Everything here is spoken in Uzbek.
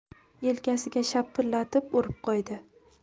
yelkasiga shapillatib urib qo'ydi